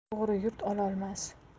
o'g'ri yurt ololmas